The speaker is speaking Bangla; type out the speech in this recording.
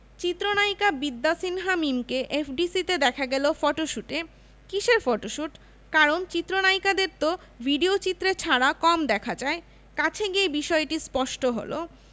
চিত্রনায়িকা বিদ্যা সিনহা মিমকে এফডিসিতে দেখা গেল ফটোশুটে কিসের ফটোশুট কারণ চিত্রনায়িকাদের তো ভিডিওচিত্রে ছাড়া কম দেখা যায় কাছে গিয়ে বিষয়টি স্পষ্ট হলো